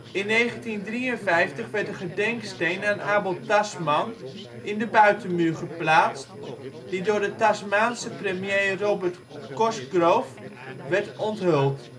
In 1953 werd een gedenksteen aan Abel Tasman in de buitenmuur geplaatst, die door de Tasmaanse premier Robert Cosgrove werd onthuld